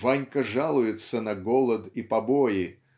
Ванька жалуется на голод и побои